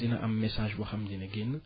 dina am message boo xam dana génn